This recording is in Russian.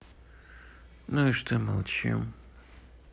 ну что молчим